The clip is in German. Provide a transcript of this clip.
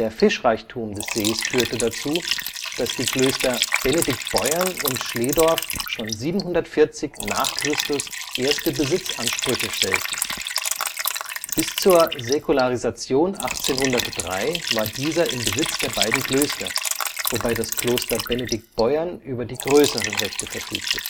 Fischreichtum des Sees führte dazu, dass die Klöster Benediktbeuern und Schlehdorf schon 740 n. Chr. erste Besitzansprüche stellten. Bis zur Säkularisation 1803 war dieser im Besitz der beiden Klöster, wobei das Kloster Benediktbeuern über die größeren Rechte verfügte